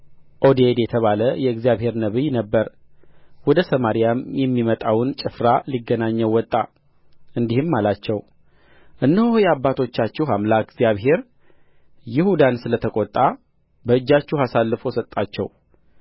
ዖዴድ የተባለ የእግዚአብሔር ነቢይ ነበረ ወደ ሰማርያም የሚመጣውን ጭፍራ ሊገናኘው ወጣ እንዲህም አላቸው እነሆ የአባቶቻችሁ አምላክ እግዚአብሔር ይሁዳን ስለ ተቈጣ በእጃችሁ አሳልፎ ሰጣቸው